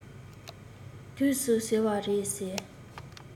དུས སུ ཟེར བ རེད ཟེར